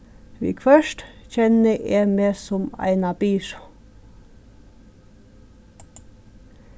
viðhvørt kenni eg meg sum eina byrðu